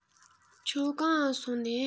ཁྱོད གང ལ སོང ནས